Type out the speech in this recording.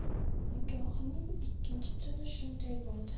nikohning ikkinchi tuni shunday bo'ldi